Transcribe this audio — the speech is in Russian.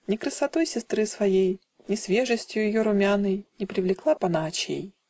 Ни красотой сестры своей, Ни свежестью ее румяной Не привлекла б она очей.